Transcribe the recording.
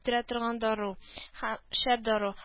Үтерә торган дару, һә шәп дару